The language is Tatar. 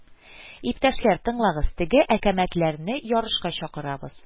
Иптәшләр, тыңлагыз, теге әкәмәтләрне ярышка чакырабыз